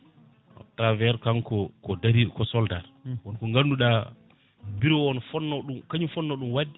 à travers kanko ko daariɗo ko soldat wonko ganduɗa bureau o ne fonno ɗum kañum fonno ɗum wadde